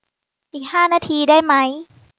อีกห้านาทีได้ไหม